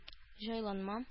Җайланма